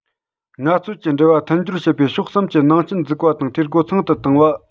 ངལ རྩོལ གྱི འབྲེལ བ མཐུན སྦྱོར བྱེད པའི ཕྱོགས གསུམ གྱི ནང རྐྱེན འཛུགས པ དང འཐུས སྒོ ཚང དུ བཏང བ